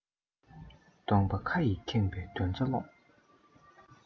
སྟོང པ ཁ ཡིས ཁེངས པའི དོན རྩ ལོངས